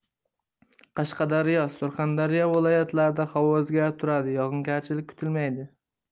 qashqadaryo va surxondaryo viloyatlarida havo o'zgarib turadi yog'ingarchilik kutilmaydi